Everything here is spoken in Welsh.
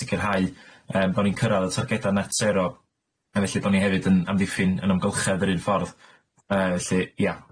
sicirhau yym bo' ni'n cyrradd y targeda net sero a felly bo' ni hefyd yn amddiffyn yn ymgylchedd yr un ffordd yy felly ia.